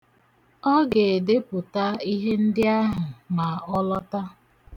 Ọ ga-edepụta ihe ndị ahụ ma ọ lọta.